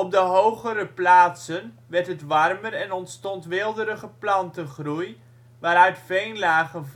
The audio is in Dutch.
de hogere plaatsen werd het warmer en ontstond weelderige plantengroei, waaruit veenlagen